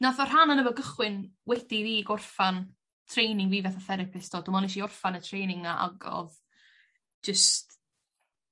Nath y rhan onno fo gychwyn wedi i fi gorffan training fi fatha therapist o dwi me'wl nes i orffan y training 'na a g- odd jyst